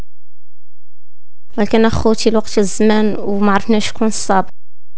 لكن اخوك الوقت الزمان ومعرفناش